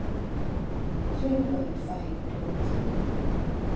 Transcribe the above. ช่วยเปิดไฟดวงที่หนึ่ง